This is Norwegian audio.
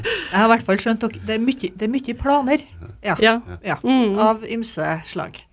jeg har hvert fall skjønt at det er mye det er mye planer ja ja av ymse slag.